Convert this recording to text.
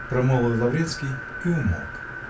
-- промолвил Лаврецкий и умолк.